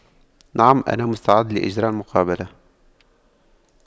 نعم انا مستعد لإجراء المقابلة